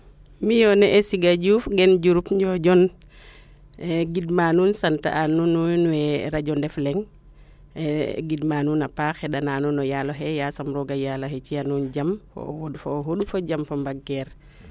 miyo ne'e Siga Diouf gen Diouroup Ndiodione gidma nuun sant a nuun nuun we ndef na Ndefleng gidma nuun a paax xenda na nuun o yaaloxe yaasam roogo yaaloxe ci'ya nuun jam fo o wond fo o xuun fo jam fo mbang keer